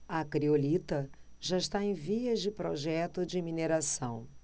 a criolita já está em vias de projeto de mineração